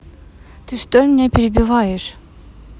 ты что меня перебиваешь